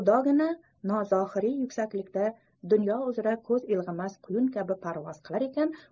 xudogina nozohiriy yuksaklikda dunyo uzra ko'z ilg'ag'isiz quyun kabi parvoz qilar ekan